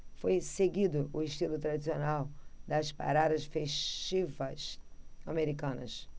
foi seguido o estilo tradicional das paradas festivas americanas